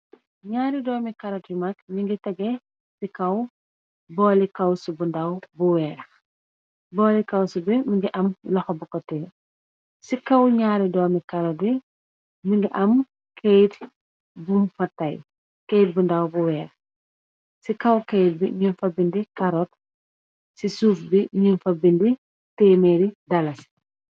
Ñaari doomi karot yu mag ñu ngi tege c kaw booli kawsu bu ndaw bu weex. Bowl bi mu ngi am loxo bu koteer ci kawl ñaari doomi karote bi mingi am keyt bu fatay keyt bu ndaw bu weex ci kaw keyt bi ñun fa bindi karot ci suuf bi ñun fa bindi téemeeri dala si.